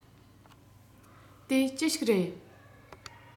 དེ ཅི ཞིག རེད